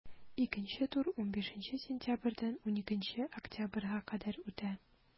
Икенче тур 15 сентябрьдән 12 октябрьгә кадәр үтә.